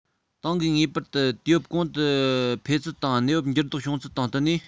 ཏང གིས ངེས པར དུ དུས བབ གོང དུ འཕེལ ཚུལ དང གནས བབ འགྱུར ལྡོག བྱུང ཚུལ དང བསྟུན ནས